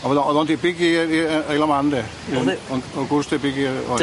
A wedd o o'dd o'n debyg i yy i yy Isle of Man de. Oedd e? O'n o'n cwrs debyg i'r...